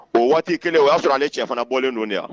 O waati kelen o y'a sɔrɔ ni cɛ fana bɔlen don de wa